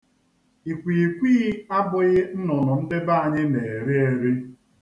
Ikwiikwii abụghị nnụnụ ndị be anyị na-eri eri.